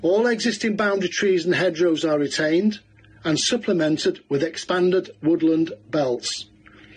All existing boundary trees and hedgerows are retained and supplemented with expanded woodland belts.